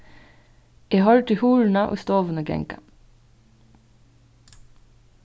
eg hoyrdi hurðina í stovuni ganga